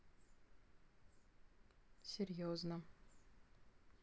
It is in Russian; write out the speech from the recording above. серьезно